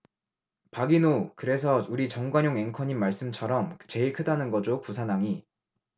박인호 그래서 우리 정관용 앵커님 말씀처럼 제일 크다는 거죠 부산항이